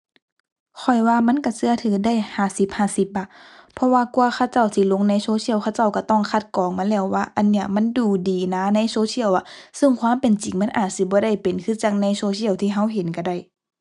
ข้อยว่ามันก็ก็ถือได้ห้าสิบห้าสิบอะ เพราะว่ากว่าเขาเจ้าจิลงในโซเชียล เขาเจ้าก็ต้องคัดกรองมาแล้วว่า อันเนี้ยมันดูดีนะ ในโซเชียลอะ ซึ่งความเป็นจริงมันอาจสิบ่ได้เป็นคือจั่งในโซเชียลที่ก็เห็นก็ได้ ⁠